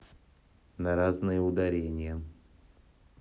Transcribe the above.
но разные ударения